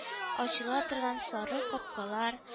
Ачыла торган сары капкалар